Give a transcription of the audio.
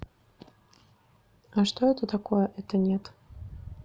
а что это такое это нет